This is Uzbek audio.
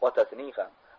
otasining ham